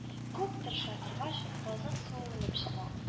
Күп тырыша торгач, казык суырылып чыга